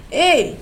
Ee